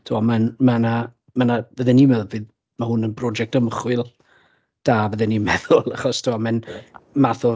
Tibod mae'n... ma' 'na ma' 'na... fydden i'n meddwl fydd... ma' hwn hwn yn brosiect ymchwil da bydden i'n meddwl, achos tibod ma'n math o...